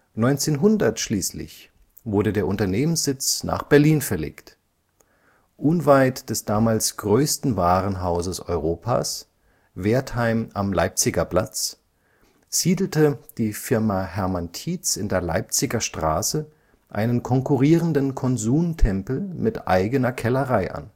1900 schließlich wurde der Unternehmenssitz nach Berlin verlegt. Unweit des damals größten Warenhauses Europas, Wertheim am Leipziger Platz, siedelte die Firma Hermann Tietz in der Leipziger Straße einen konkurrierenden Konsumtempel mit eigener Kellerei an